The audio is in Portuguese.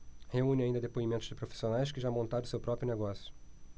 reúne ainda depoimentos de profissionais que já montaram seu próprio negócio